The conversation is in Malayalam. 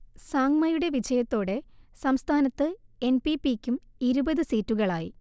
സാങ്മയുടെ വിജയത്തോടെ സംസ്ഥാനത്ത് എൻ പി പി ക്കും ഇരുപത് സീറ്റുകളായി